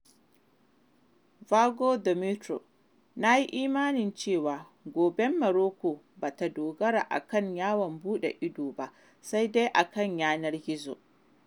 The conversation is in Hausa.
Vago Damitio:] Na yi imanin cewa, goben Morocco ba ta dogara a kan yawon buɗe ido ba sai dai a kan yanar gizo.